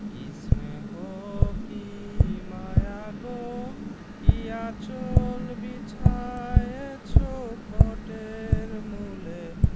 কী স্নেহ কী মায়া গো কী আঁচল বিছায়েছ বটের মূলে